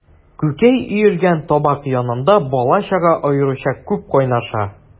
Күкәй өелгән табак янында бала-чага аеруча күп кайнаша.